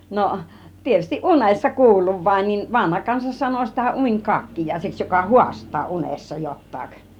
no tietysti unessa kuullut vain niin vanha kansa sanoi sitä - unikakkiaiseksi joka haastaa unessa jotakin